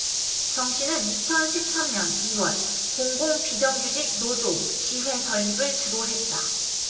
정씨는 이천 십 삼 년 이 월 공공비정규직 노조 지회 설립을 주도했다